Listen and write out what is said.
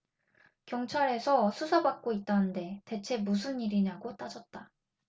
경찰에서 수사받고 있다는데 대체 무슨 일이냐고 따졌다